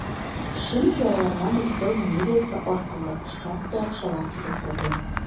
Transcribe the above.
Чөнки аларга Мәскәү мэриясе аркылы шактый акчалар килеп торды.